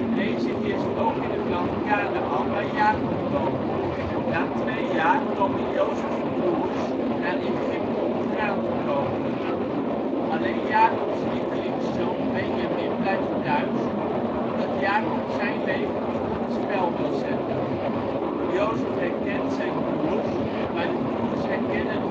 Deze heerst ook in het land Kanaän, waar Jakob woont. Na twee jaar komen Jozefs broers naar Egypte om graan te kopen. Alleen Jakobs lievelingszoon Benjamin blijft thuis, omdat Jakob zijn leven niet op het spel wil zetten. Jozef herkent zijn broers, maar de broers herkennen